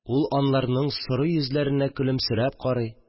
Ул, анларның соры йөзләренә көлемсерәп карап